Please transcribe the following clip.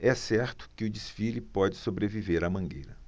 é certo que o desfile pode sobreviver à mangueira